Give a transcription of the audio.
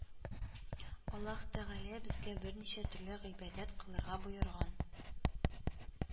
Аллаһы Тәгалә безгә берничә төрле гыйбадәт кылырга боерган